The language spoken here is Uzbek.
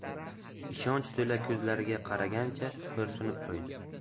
ishonch to'la ko'zlariga qaragancha xo'rsinib qo'ydi